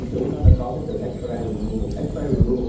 trú nó đã có từ ếch pơ rai rì mu vồ ếch pơ rai rì mu vồ